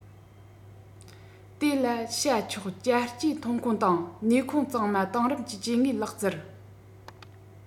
དེ ལ བྱ ཆོག བསྐྱར སྐྱེའི ཐོན ཁུངས དང ནུས ཁུངས གཙང མ དེང རབས ཀྱི སྐྱེ དངོས ལག རྩལ